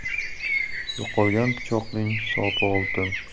yo'qolgan pichoqning sopi oltin